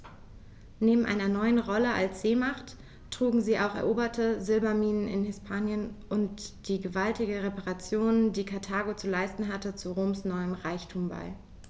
Neben seiner neuen Rolle als Seemacht trugen auch die eroberten Silberminen in Hispanien und die gewaltigen Reparationen, die Karthago zu leisten hatte, zu Roms neuem Reichtum bei.